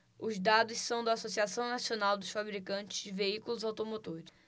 os dados são da anfavea associação nacional dos fabricantes de veículos automotores